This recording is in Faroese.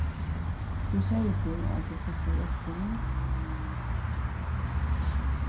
hví segði tú at tú fórt at hjálpa honum